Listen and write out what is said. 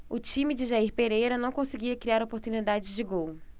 o time de jair pereira não conseguia criar oportunidades de gol